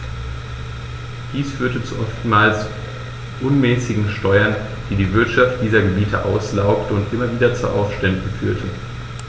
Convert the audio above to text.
Dies führte zu oftmals unmäßigen Steuern, die die Wirtschaft dieser Gebiete auslaugte und immer wieder zu Aufständen führte.